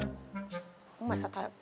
mà